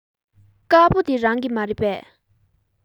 དཀར པོ འདི རང གི མ རེད པས